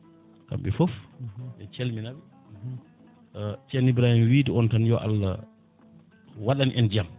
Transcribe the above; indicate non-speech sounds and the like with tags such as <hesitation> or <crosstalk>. kamɓe foof en calminaɓe <hesitation> ceerno Ibrahima wiide on tan yo Allah waɗan en jaam